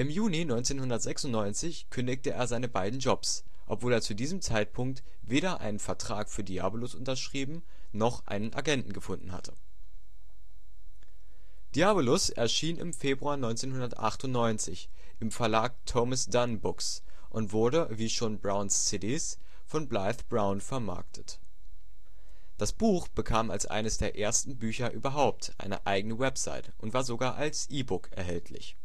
Juni 1996 kündigte er seine beiden Jobs, obwohl er zu diesem Zeitpunkt weder einen Vertrag für Diabolus unterschrieben noch einen Agenten gefunden hatte. Diabolus erschien im Februar 1998 im Verlag Thomas Dunne Books und wurde, wie schon Browns CDs, von Blythe Brown vermarktet. Das Buch bekam als eines der ersten Bücher überhaupt eine eigene Website und war sogar als E-Book erhältlich